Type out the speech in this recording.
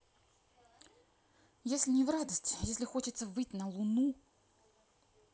если не в радость если хочется выть на луну